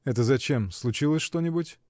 — Это зачем: случилось что-нибудь?